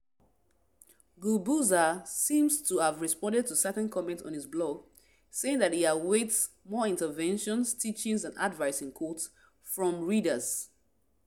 Guebuza seems to have responded to certain comments on his blog, saying that he awaits more “interventions, teachings and advice” from readers.